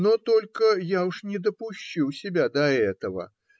Но только уж я не допущу себя до этого.